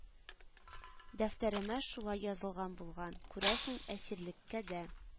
Дәфтәремә шулай язылган булган, күрәсең, әсирлеккә дә